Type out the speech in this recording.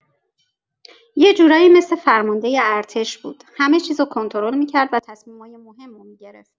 یه جورایی مثل فرمانده ارتش بود، همه چیز رو کنترل می‌کرد و تصمیمای مهم رو می‌گرفت.